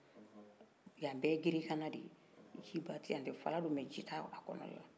yan bɛɛ ye n gere kana de ye ji ta kɔnɔ faara don dɛ nk ji t'a kɔnɔ na